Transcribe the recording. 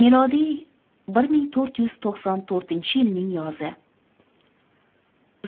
milodiy bir ming to'rt yuzi to'qson to'rtinchi yilning yozi